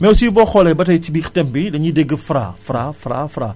mais aussi boo xoolee ba tey ci biir thème bi dañuy dégg Fra Fra Fra